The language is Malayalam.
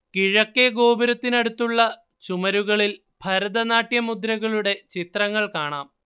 കിഴക്കേ ഗോപുരത്തിനടുത്തുള്ള ചുമരുകളിൽ ഭരതനാട്യ മുദ്രകളുടെ ചിത്രങ്ങൾ കാണാം